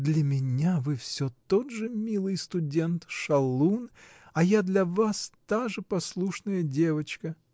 — Для меня вы всё тот же милый студент, шалун, а я для вас та же послушная девочка.